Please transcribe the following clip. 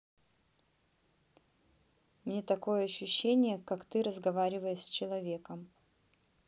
мне такое ощущение как ты разговариваешь с человеком